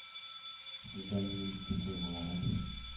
Сездә минем бөтен тойгыларым,